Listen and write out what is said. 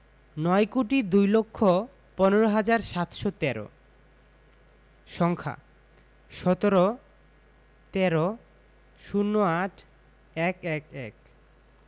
নয় কোটি দুই লক্ষ পনেরো হাজার সাতশো তেরো সংখ্যাঃ ১৭১৩ ০৮ ১১১